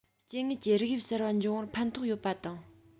སྐྱེ དངོས ཀྱི རིགས དབྱིབས གསར པ འབྱུང བར ཕན ཐོགས ཡོད པ དང